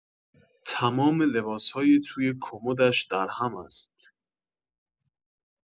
تمام لباس‌های توی کمدش درهم است